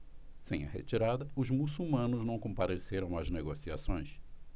sem a retirada os muçulmanos não compareceram às negociações